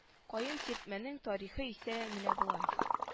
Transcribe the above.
Каен сиртмәнең тарихы исә менә болай